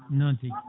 noon tigui mil